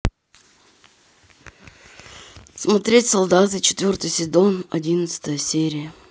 смотреть солдаты четвертый сезон одиннадцатая серия